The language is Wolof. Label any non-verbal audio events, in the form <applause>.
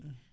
<hesitation> <hesitation>